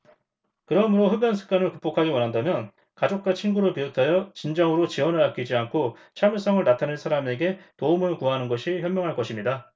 그러므로 흡연 습관을 극복하기 원한다면 가족과 친구를 비롯하여 진정으로 지원을 아끼지 않고 참을성을 나타낼 사람에게 도움을 구하는 것이 현명할 것입니다